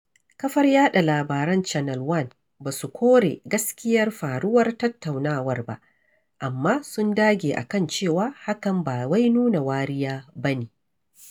Kafar yaɗa labaran Channel One ba su kore gaskiyar faruwar tattaunawar ba, amma sun dage a kan cewa hakan ba wai nuna wariya ba ne.